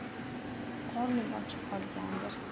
qorning ochib qolgandir